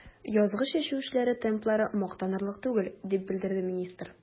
Язгы чәчү эшләре темплары мактанырлык түгел, дип белдерде министр.